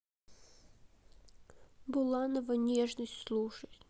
буланова нежность слушать